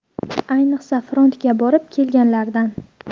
ayniqsa frontga borib kelganlardan